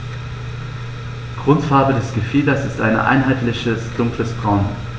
Grundfarbe des Gefieders ist ein einheitliches dunkles Braun.